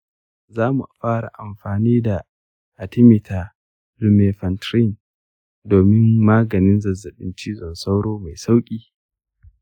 za mu fara amfani da artemether-lumefantrine domin maganin zazzabɓin cizon sauro mai sauƙi.